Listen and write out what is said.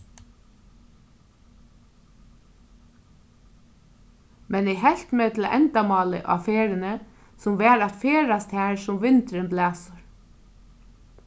men eg helt meg til endamálið á ferðini sum var at ferðast har sum vindurin blæsur